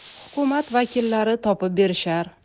hukumat vakillari topib berishar